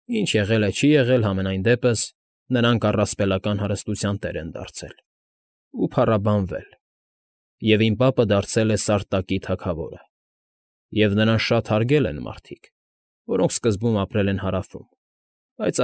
Ինչ եղել է, չի եղել, համենայն դեպս նրանք առասպելական հարստության տեր են դարձել ու փառաբանվել, և իմ պապը դարձել է Սարտակի թագավորը, և նրան շատ հարգել են մարդիկ, որոնք սկզբում ապրում էին Հարավում, բայց։